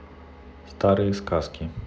старые сказки